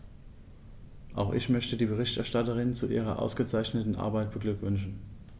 Auch ich möchte die Berichterstatterin zu ihrer ausgezeichneten Arbeit beglückwünschen.